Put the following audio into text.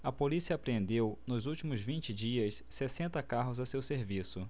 a polícia apreendeu nos últimos vinte dias sessenta carros a seu serviço